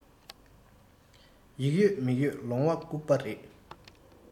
ཡིག ཡོད མིག ཡོད ལོང བ སྐུགས པ རེད